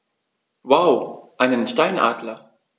Wow! Einen Steinadler?